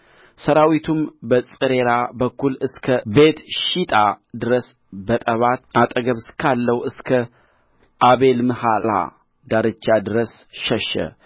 ሦስቱንም መቶ ቀንደ መለከቶች ነፉ እግዚአብሔርም የሰውን ሁሉ ሰይፍ በባልንጀራውና በሠራዊቱ ሁሉ ላይ አደረገ ሠራዊቱም በጽሬራ በኩል እስከ ቤትሺጣ ድረስ በጠባት አጠገብ እስካለው እስከ አቤልምሖላ ዳርቻ ድረስ ሸሸ